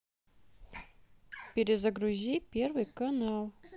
перезагрузи первый канал